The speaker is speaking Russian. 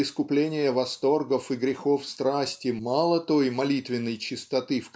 для искупления восторгов и грехов страсти мало той молитвенной чистоты